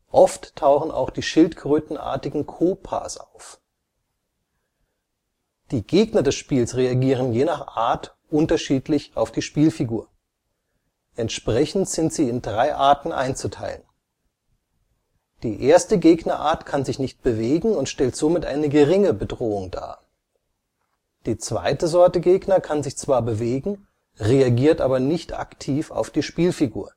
Oft tauchen auch die schildkrötenartigen Koopas (in Nordamerika „ Koopa Troopas “; jap. ノコノコ, Nokonoko) auf. Die Gegner des Spiels reagieren je nach Art unterschiedlich auf die Spielfigur. Entsprechend sind sie in drei Arten einzuteilen. Die erste Gegnerart kann sich nicht bewegen und stellt somit eine geringe Bedrohung dar. Die zweite Sorte Gegner kann sich zwar bewegen, reagiert aber nicht aktiv auf die Spielfigur